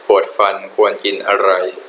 ปวดฟันควรกินอะไร